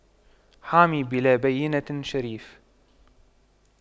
حرامي بلا بَيِّنةٍ شريف